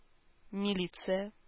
Милиция